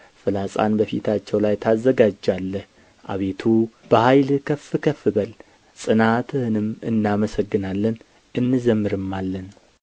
ፍላጻን በፊታቸው ላይ ታዘጋጃለህ አቤቱ በኃይልህ ከፍ ከፍ በል ጽናትህንም እናመሰግናለን እንዘምርማለን